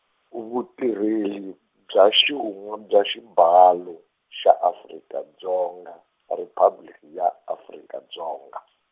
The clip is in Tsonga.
Vutirheli bya Xihundla Xibalo xa Afrika Dzonga Riphabliki ya Afrika Dzonga.